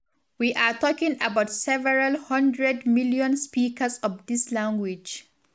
We are talking about several hundred million speakers of this language.